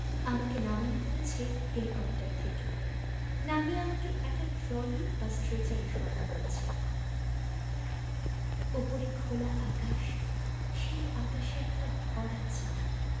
আমাকে নামানো হয়েছে হেলিকপ্টার থেকে নামিয়ে আমাকে একটা ট্রলি বা স্ট্রেচারে শোয়ানো হয়েছে ওপরে খোলা আকাশ সেই আকাশে একটা ভরা চাঁদ